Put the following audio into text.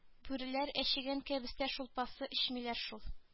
Бүреләр әчегән кәбестә шулпасы эчмиләр шул